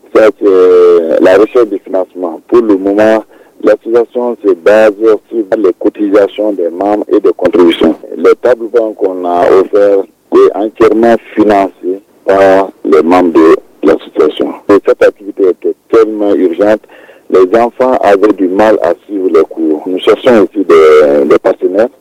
V re bɛ fti pl latiyason fɛfi kotilasonon de e bɛsɔn n bɛ taduban kɔnɔ fɛ an cɛ fsi ɔman bɛ lasifɛsontati z sanfan a bɛ bi ma asi yɛrɛ'fɛn n bɛs